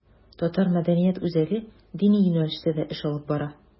Татар мәдәният үзәге дини юнәлештә дә эш алып бара.